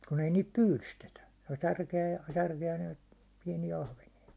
kun ei niitä pyydystetä tuota - ja särkeä ja noita pieniä ahvenia